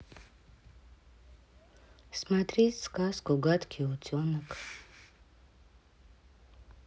смотреть сказку гадкий утенок